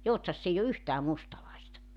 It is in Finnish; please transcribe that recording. Joutsassa ei ole yhtään mustalaista